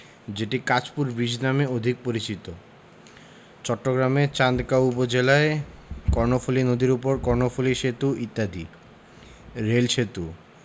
যেটি কাঁচপুর ব্রীজ নামে অধিক পরিচিত চট্টগ্রামের চান্দগাঁও উপজেলায় কর্ণফুলি নদীর উপর কর্ণফুলি সেতু ইত্যাদি রেল সেতু